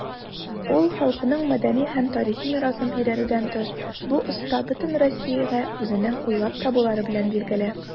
Үз халкының мәдәни һәм тарихи мирасын өйрәнүдән тыш, бу оста бөтен Россиягә үзенең уйлап табулары белән билгеле.